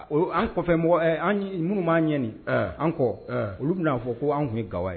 An kɔfɛ mɔgɔ n b'an ɲɛani an kɔ olu bɛna n'a fɔ k ko anw tun ye ga ye